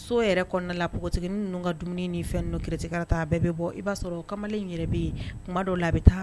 So yɛrɛ kɔnɔna la pottigi ni ninnu ka dumuni ni fɛn n'u kiiritigɛ ta bɛɛ bɛ bɔ i b'a sɔrɔ kamalen in yɛrɛ bɛ yen kuma dɔw labɛn bɛ taa